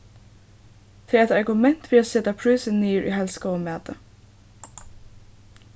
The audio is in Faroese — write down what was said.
tað er eitt argument fyri at seta prísin niður í heilsugóðum mati